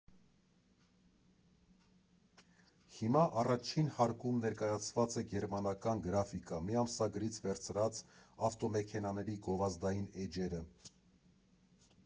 Հիմա առաջին հարկում ներկայացված է գերմանական գրաֆիկա՝ մի ամսագրից վերցրած ավտոմեքենաների գովազդային էջերը։